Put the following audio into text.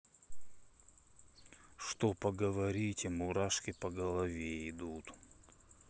что поговорите мурашки по голове идут